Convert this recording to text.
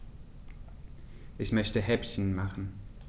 Ich möchte Häppchen machen.